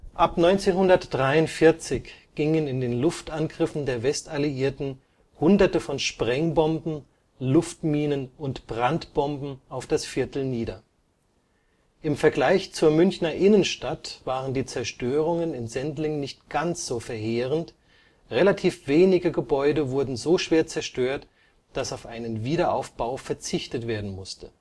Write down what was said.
Ab 1943 gingen in den Luftangriffen der Westalliierten Hunderte von Sprengbomben, Luftminen und Brandbomben auf das Viertel nieder. Im Vergleich zur Münchner Innenstadt waren die Zerstörungen in Sendling nicht ganz so verheerend, relativ wenige Gebäude wurden so schwer zerstört, dass auf einen Wiederaufbau verzichtet werden musste